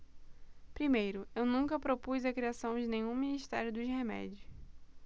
primeiro eu nunca propus a criação de nenhum ministério dos remédios